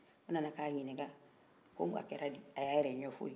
o nana k'a ɲininka ko uwa a k'ɛra di a y'a yɛrɛ ɲɛfɔ